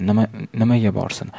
nimaga borsin